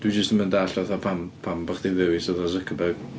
Dwi jyst ddim yn dallt fatha pam, pam bo' chdi'n dewis fatha Zuckerberg.